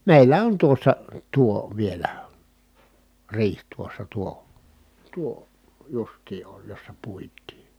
meillä on tuossa tuo vielä riihi tuossa tuo tuo justiin on jossa puitiin